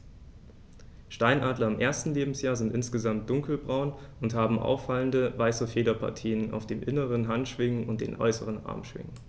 Steinadler im ersten Lebensjahr sind insgesamt dunkler braun und haben auffallende, weiße Federpartien auf den inneren Handschwingen und den äußeren Armschwingen.